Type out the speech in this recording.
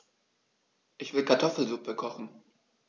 Ich will Kartoffelsuppe kochen.